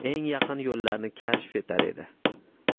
eng yaqin yo'llarni kashf etar edi